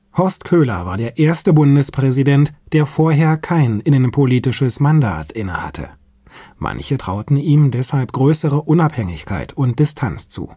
Horst Köhler war der erste Bundespräsident, der vorher kein innenpolitisches Mandat innehatte. Manche trauten ihm deshalb größere Unabhängigkeit und Distanz zu